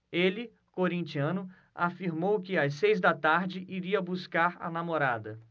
ele corintiano afirmou que às seis da tarde iria buscar a namorada